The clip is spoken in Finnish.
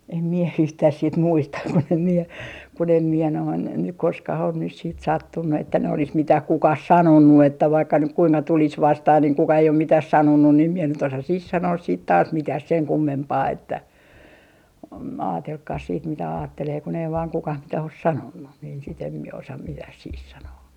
en minä yhtään sitten muista kun en minä kun en minä noin nyt koskaan ole nyt sitten sattunut että ne olisi mitään kukaan sanonut että vaikka nyt kuinka tulisi vastaan niin kukaan ei ole mitään sanonut niin en minä nyt osaa siihen sanoa sitten taas mitään sen kummempaa että - ajatelkoon sitten mitä ajattelee kun ei vain kukaan mitään ole sanonut niin sitten en minä osaa mitään siihen sanoa